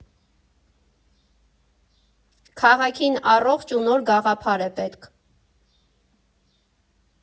Քաղաքին առողջ ու նոր գաղափար է պետք։